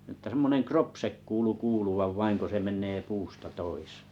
että semmoinen kropse kuului kuuluvan vain kun se menee puusta toiseen